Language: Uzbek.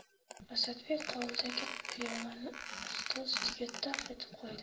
asadbek qo'lidagi piyolani ustol ustiga taq etib qo'ydi